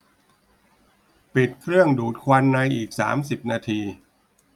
ปิดเครื่องดูดควันในอีกสามสิบนาที